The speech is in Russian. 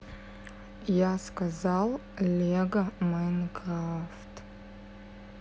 я сказал лего майнкрафт